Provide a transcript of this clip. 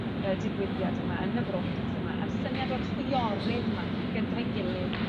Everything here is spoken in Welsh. y digwyddiad yma yn y brotest yma, y syniad o'r chwiorydd yma gyda'i gilydd